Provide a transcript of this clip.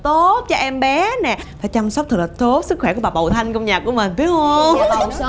tốt cho em bé nè phải chăm sóc thật là tốt sức khỏe của bà bầu thanh trong nhà của mình phải không